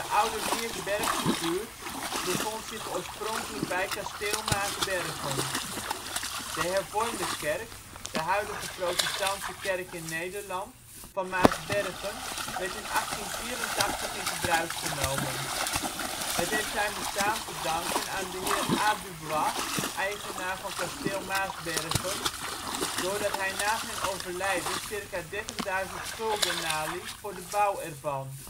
oude ' Meersbergse buurt ' bevond zich oorspronkelijk bij kasteel Maarsbergen. De Hervormde Kerk (de huidige Protestantse Kerk in Nederland) van Maarsbergen werd in 1884 in gebruik genomen. Het heeft zijn bestaan te danken aan de heer A. du Bois (eigenaar van kasteel Maarsbergen) doordat hij na zijn overlijden circa 30.000 gulden naliet voor de bouw er van